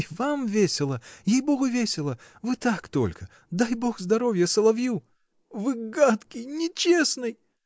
и вам весело, ей-богу, весело — вы так только. Дай Бог здоровья соловью! — Вы гадкий, нечестный!